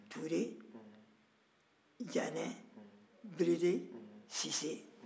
ture janɛ berete sise